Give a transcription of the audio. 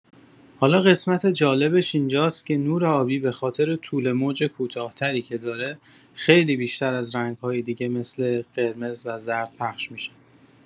حالا قسمت جالبش اینجاست که نور آبی به‌خاطر طول‌موج کوتاه‌تری که داره، خیلی بیشتر از رنگ‌های دیگه مثل قرمز و زرد پخش می‌شه.